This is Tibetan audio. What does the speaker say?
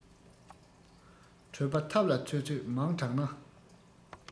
གྲོད པ ཐབ ལ ཚོད ཚོད མང དྲགས ན